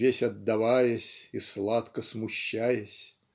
"весь отдаваясь и сладко смущаясь"